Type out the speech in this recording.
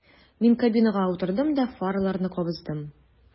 Мин кабинага утырдым да фараларны кабыздым.